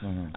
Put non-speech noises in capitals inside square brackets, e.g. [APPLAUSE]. [HESITATION] [HESITATION]